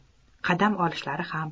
qadam olishlari ham